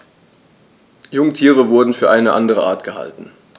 Jungtiere wurden für eine andere Art gehalten.